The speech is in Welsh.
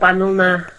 ...annwl na.